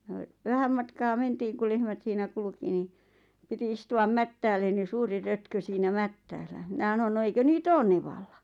ja vähän matkaa mentiin kun lehmät siinä kulki niin piti istua mättäälle niin suuri rötkö siinä mättäällä minä sanoin no eikö niitä ole nevalla